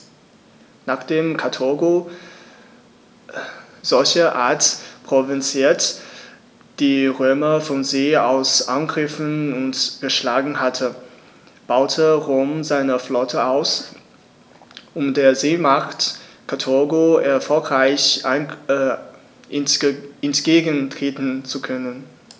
Nachdem Karthago, solcherart provoziert, die Römer von See aus angegriffen und geschlagen hatte, baute Rom seine Flotte aus, um der Seemacht Karthago erfolgreich entgegentreten zu können.